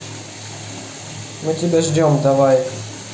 мы тебя ждем давай